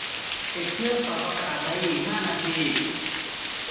ปิดเครื่องปรับอากาศในอีกห้านาที